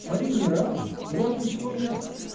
— Пари не равно: у вас ничего нет.